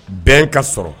Bɛn ka sɔrɔ